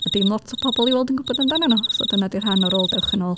A dim lot o pobl i weld yn gwbod amdanyn nhw. So dyna 'di rhan o rôl Dewch Yn Ôl.